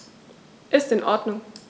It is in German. Ist in Ordnung.